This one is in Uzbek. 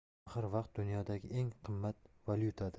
axir vaqt dunyodagi eng qimmat valyutadir